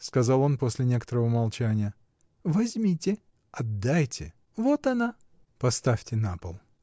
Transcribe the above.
— сказал он после некоторого молчания. — Возьмите. — Отдайте. — Вот она. — Поставьте на пол.